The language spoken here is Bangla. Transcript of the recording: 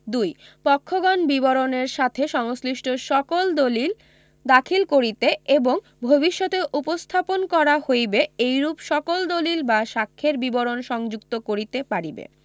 ২ পক্ষগণ বিবরণের সাথে সংশ্লিষ্ট সকল দলিল দাখিল করিতে এবং ভবিষ্যতে উপস্থাপন করা হইবে এইরূপ সকল দলিল বা সাক্ষ্যের বিবরণ সংযুক্ত করিতে পারিবে